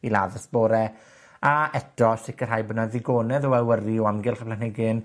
I ladd y sbore, a eto sicirhau bo' 'na ddigonedd o awyru o amgylch y planhigyn,